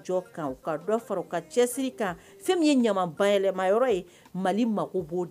Kan fɛn ye ɲama yɛlɛɛlɛ ye mali maa b'o de